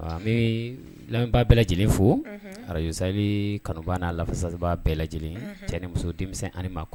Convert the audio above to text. Aa mee nlamɛ baa bɛ lajɛlen fo, unhun, arajo sahelii kanubaa n'a lafasasi baa bɛɛ lajɛlen cɛ ni muso denmisɛn ani ma kɔ